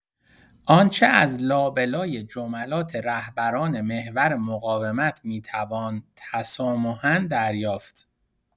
آنچه از لابلای جملات رهبران «محور مقاومت» میتوان تسامحا دریافت